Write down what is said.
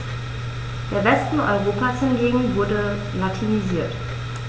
Der Westen Europas hingegen wurde latinisiert.